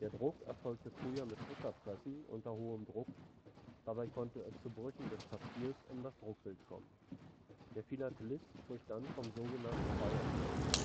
Druck erfolgte früher mit Druckerpressen unter hohem Druck, dabei konnte es zu Brüchen des Papiers um das Druckbild kommen. Der Philatelist spricht dann vom sogenannten Bayernbruch